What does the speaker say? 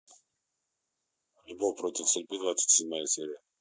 любовь против судьбы двадцать седьмая серия